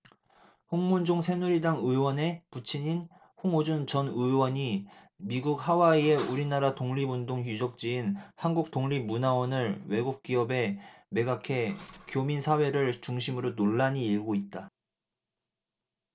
홍문종 새누리당 의원의 부친인 홍우준 전 의원이 미국 하와이의 우리나라 독립운동 유적지인 한국독립문화원을 외국 기업에 매각해 교민 사회를 중심으로 논란이 일고 있다